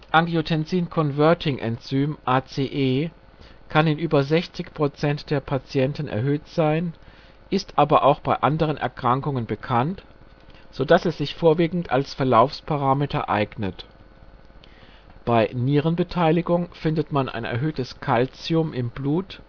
Angiotensin Converting Enzym (ACE) kann in über 60 % der Patienten erhöht sein, ist aber auch bei anderen Erkrankungen bekannt, sodass es sich vorwiegend als Verlaufsparameter eignet. Bei Nierenbeteiligung findet man erhöhtes Kalzium in Urin und Blut